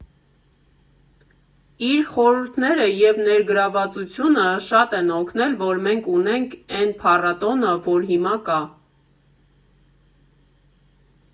Իր խորհուրդները ու ներգրավվածությունը շատ են օգնել, որ մենք ունենք էն փառատոնը, որ հիմա կա։